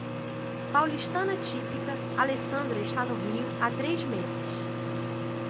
paulistana típica alessandra está no rio há três meses